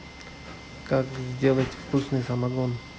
как сделать вкусный самогон